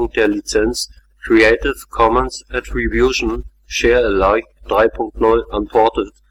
der Lizenz Creative Commons Attribution Share Alike 3 Punkt 0 Unported